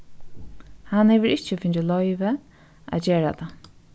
hann hevur ikki fingið loyvi at gera tað